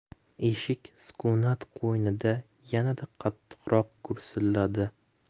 eshik sukunat qo'ynida yanada qattiqroq gursilladi